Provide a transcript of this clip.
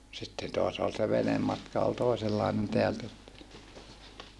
sitten taas oli se venematka oli toisenlainen täältä sitten